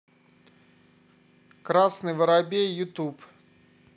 красный воробей ютуб